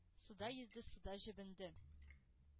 Суда йөзде, суда җебенде.